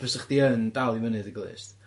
Fysa chdi yn dal i fyny dy glust.